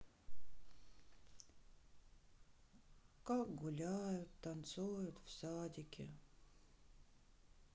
как гуляют танцуют в садике